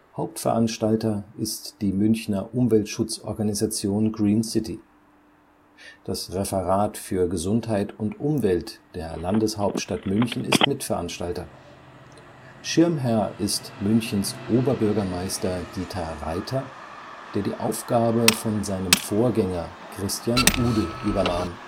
Hauptveranstalter ist die Münchner Umweltschutzorganisation Green City. Das Referat für Gesundheit und Umwelt der Landeshauptstadt München ist Mitveranstalter. Schirmherr ist Münchens Oberbürgermeister Dieter Reiter, der die Aufgabe von seinem Vorgänger Christian Ude übernahm